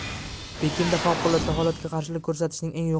pekinda favqulodda holatga qarshilik ko'rsatishning